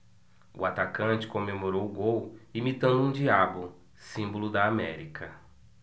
o atacante comemorou o gol imitando um diabo símbolo do américa